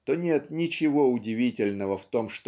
то нет ничего удивительного в том